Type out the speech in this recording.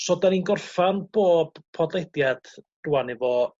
so 'da ni'n gorffan bob podlediad rŵan efo